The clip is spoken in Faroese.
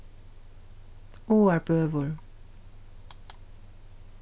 áarbøur